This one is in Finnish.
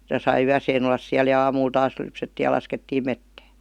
sitä sai yön olla siellä ja aamulla taas lypsettiin ja laskettiin metsään